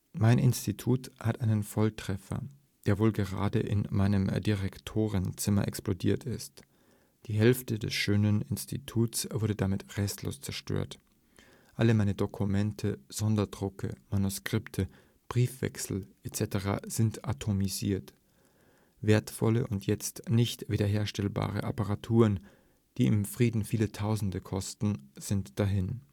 Mein Institut hat einen Volltreffer, der wohl gerade in meinem Direktorenzimmer explodiert ist. Die Hälfte des schönen Instituts wurde damit restlos zerstört. Alle meine Dokumente, Sonderdrucke, Manuskripte, Briefwechsel etc. sind atomisiert! Wertvolle und jetzt nicht wiederherstellbare Apparaturen, die im Frieden viele Tausende kosteten, sind dahin